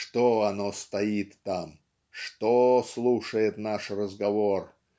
Что оно стоит там, что слушает наш разговор?